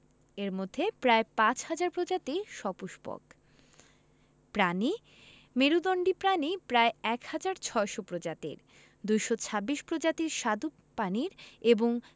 এর মধ্যে প্রায় ৫ হাজার প্রজাতি সপুষ্পক প্রাণীঃ মেরুদন্ডী প্রাণী প্রায় ১হাজার ৬০০ প্রজাতির ২২৬ প্রজাতির স্বাদু পানির এবং